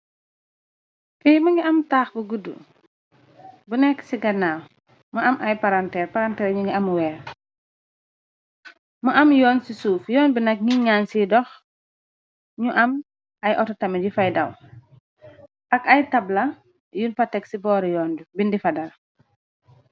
Fiy më ngi am taax bu gudd bu nekk ci gannaaw mu am ay rneparanteer ñu ngi amuweer mu am yoon ci suuf yoon bi nekk ngi ñaan ci dox ñu am ay atotamir yi fay daw ak ay tab la yun patek ci booru yoon u bindi fa dar.